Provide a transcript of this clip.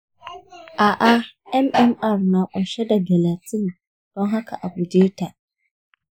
a'a, mmr na ƙunshe da gelatin, don haka a guje ta.